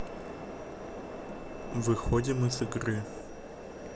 выходим из игры